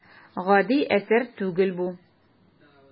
Гади әсәр түгел бу.